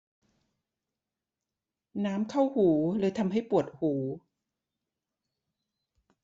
น้ำเข้าหูเลยทำให้ปวดหู